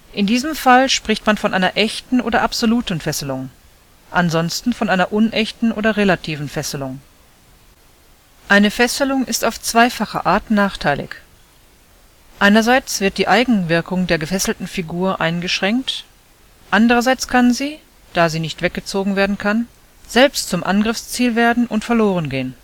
In diesem Fall spricht man von einer echten oder absoluten Fesselung, ansonsten von einer unechten oder relativen Fesselung. Eine Fesselung ist auf zweifache Art nachteilig: Einerseits wird die Eigenwirkung der gefesselten Figur eingeschränkt, andererseits kann sie – da sie nicht weggezogen werden kann – selbst zum Angriffsziel werden und verloren gehen